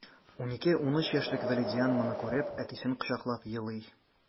12-13 яшьлек вәлидиан моны күреп, әтисен кочаклап елый...